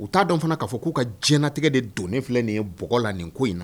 U t'a dɔn fana k'a fɔ k'u ka diɲɛɲɛnatigɛ de don filɛ nin ye bɔgɔ la nin ko in na